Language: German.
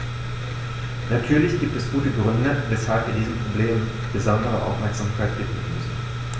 Natürlich gibt es gute Gründe, weshalb wir diesem Problem besondere Aufmerksamkeit widmen müssen.